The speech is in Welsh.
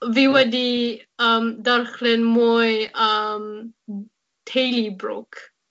fi wedi yym darllen mwy am teulu Brooke.